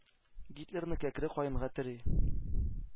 Гитлерны кәкре каенга тери.